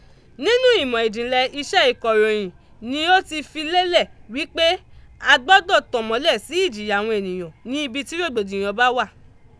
Nínú ìmọ̀ ìjìnlẹ̀ iṣẹ́ ìkọ̀ròyìn ni ó ti fi lélẹ̀ wí pé a gbọdọ̀ tànmọ́lẹ̀ sí ìjìyà àwọn ènìyàn ní ibi tí rògbòdìyàn bá wà.